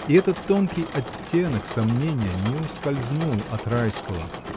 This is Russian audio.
И этот тонкий оттенок сомнения не ускользнул от Райского.